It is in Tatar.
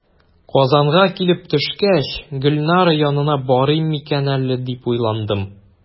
Казанга килеп төшкәч, "Гөлнара янына барыйм микән әллә?", дип уйландым.